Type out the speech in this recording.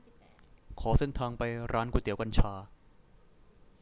ขอเส้นทางไปร้านก๋วยเตี๋ยวกัญชา